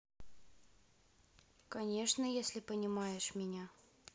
конечно если понимаешь меня